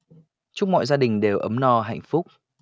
chúc mọi gia đình đều ấm no hạnh phúc